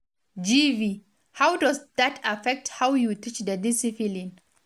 GV: How does that affect how you teach the discipline?